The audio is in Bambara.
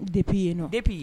De'i yenɔ epii ye